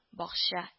Бакча